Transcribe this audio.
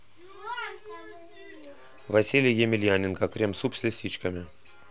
василий емельяненко крем суп с лисичками